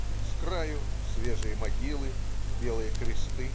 С краю-свежие могилы, белые кресты.